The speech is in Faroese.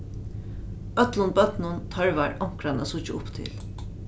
øllum børnum tørva onkran at síggja upp til